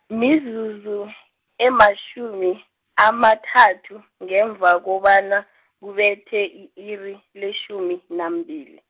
mizuzu, ematjhumi, amathathu, ngemva kobana, kubethe i-iri, letjhumi nambili.